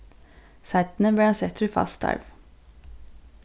seinni varð hann settur í fast starv